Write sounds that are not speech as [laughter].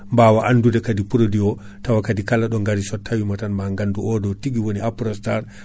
mbawa andude kaadi produit o tawa kaadi kala kaadi kala ɗo gari so tawimo tan ma gandu oɗo tigui woni Aprostar [breath]